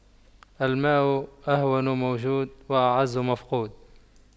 الماء أهون موجود وأعز مفقود